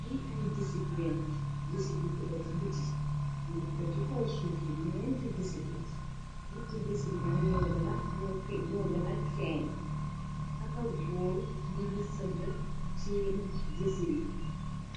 Liy ay jësib leen jësib bi teba ci biti ngiteba ci kow suuf yi ñeenti jësib la netti jësi bina ñoo gëna muno peg do gëna feeñ aka góor mingi së ja tiin jësi bi